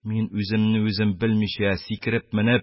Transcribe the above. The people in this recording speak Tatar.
Мин үземне үзем белмичә, сикереп менеп,